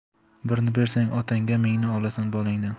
birni bersang otangga mingni olasan bolangdan